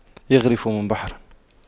يَغْرِفُ من بحر